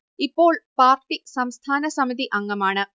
ഇപ്പോൾ പാർട്ടി സംസ്ഥാന സമിതി അംഗമാണ്